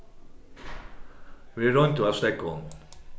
vit royndu at steðga honum